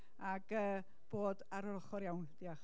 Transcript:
ac yy... bod ar yr ochr iawn. Diolch.